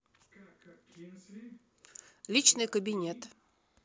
личный кабинет